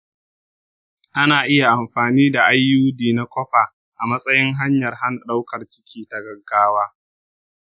ana iya amfani da iud na copper a matsayin hanyar hana ɗaukar ciki ta gaggawa.